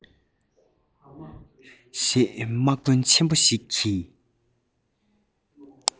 ཞེས དམག དཔོན ཆེན པོ ཞིག གིས